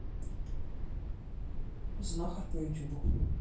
знахарь по ютюбу